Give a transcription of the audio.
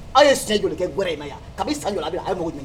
Aw ye si jɔkɛ gɛrɛ in ma yan a bɛ san jɔ a a mun